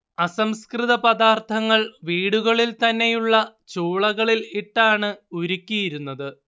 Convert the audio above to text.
അസംസ്കൃത പദാർത്ഥങ്ങൾ വീടുകളിൽ തന്നെയുള്ള ചൂളകളിൽ ഇട്ടാണ് ഉരുക്കിയിരുന്നത്